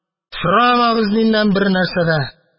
Сорамагыз миннән бернәрсә дә!